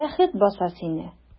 Бәхет баса сине!